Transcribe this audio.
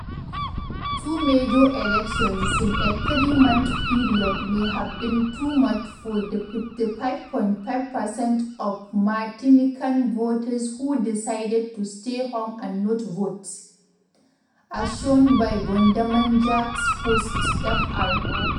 Two major elections in a three-month period may have been too much for the 55.55% of Martinican voters who decided to stay home and not vote, as shown by Bondamanjak's post [Fr].